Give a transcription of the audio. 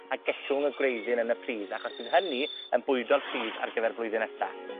a gellwng y gwreiddyn yn y pridd, achos bydd hynny, yn bwydo'r pridd ar gyfer blwyddyn nesa.